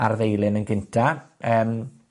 a'r ddeilyn yn cynta. Yym.